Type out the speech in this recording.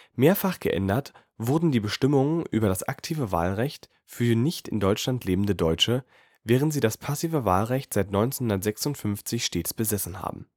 Mehrfach geändert wurden die Bestimmungen über das aktive Wahlrecht für nicht in Deutschland lebende Deutsche, während sie das passive Wahlrecht seit 1956 stets besessen haben